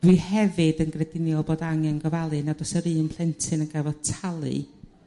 Dwi hefyd yn grediniol bod angen gofalu nad o's yr un plentyn y gafo' talu